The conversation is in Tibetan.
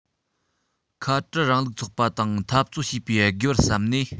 ཁ བྲལ རིང ལུགས ཚོགས པ དང འཐབ རྩོད བྱེད པའི དགོས པར བསམ ནས